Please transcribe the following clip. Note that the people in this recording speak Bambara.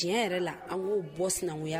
Tiɲɛ yɛrɛ la an k'o bɔ sinankunya la